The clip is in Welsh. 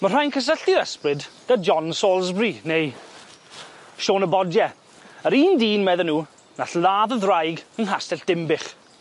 Ma' rhai'n cysylltu'r ysbryd 'dy John Salisbury neu Siôn y Bodie yr un dyn medden nw nath ladd y ddraig yng Nghastell Dimbych.